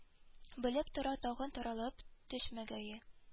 Белеп тора тагын таралып төшмәгәе